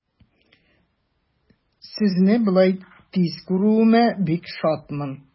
Сезне болай тиз күрүемә бик шатмын.